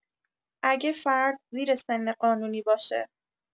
اگه فرد زیر سن قانونی باشه